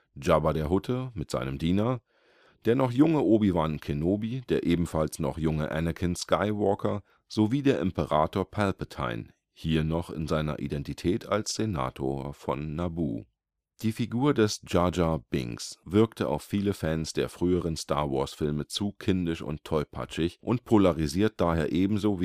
Yoda, Jabba der Hutte mit seinem Diener, der noch junge Obi-Wan Kenobi, der ebenfalls noch junge Anakin Skywalker sowie der Imperator Palpatine, hier noch in seiner Identität als Senator von Naboo. Die Figur des Jar Jar Binks wirkte auf viele Fans der früheren Star-Wars-Filme zu kindisch und tollpatschig und polarisiert daher ebenso